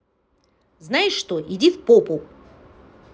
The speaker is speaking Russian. знаешь что идти в попу